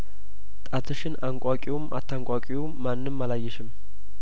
ጣትሽን አንቋቂውም አታንቋቂውም ማንም አላየሽም